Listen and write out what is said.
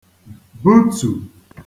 butù